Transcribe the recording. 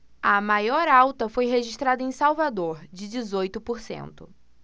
a maior alta foi registrada em salvador de dezoito por cento